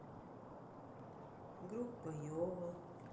группа йова